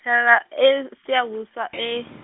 ngihlala e- Siyabuswa eyi.